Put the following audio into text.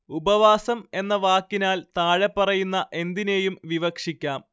ഉപവാസം എന്ന വാക്കിനാൽ താഴെപ്പറയുന്ന എന്തിനേയും വിവക്ഷിക്കാം